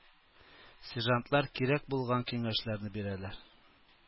Сержантлар кирәк булган киңәшләрне бирәләр.